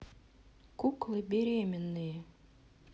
куклы беременные